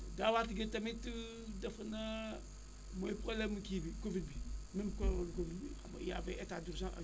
daawaati jéeg tamit defe naa mooy problème mu kii bi Covid bi même problème mu Covid bi état d' urgence ak